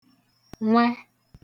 nwẹ